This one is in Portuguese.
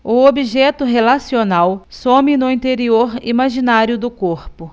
o objeto relacional some no interior imaginário do corpo